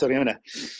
Sori am wnna.